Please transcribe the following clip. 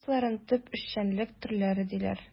Кайсыларын төп эшчәнлек төрләре диләр?